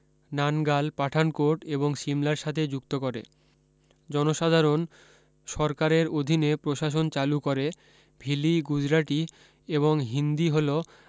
Nangyal Pathankot এবং সিমলার সাথে যুক্ত করে জনসাধারন সরকারের অধীনে প্রশাসন চালু করে ভিলি গুজরাটি এবং হিন্দী হল